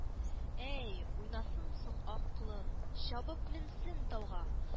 Әй, уйнасын соң ак колын!.. Чабып менсен тауга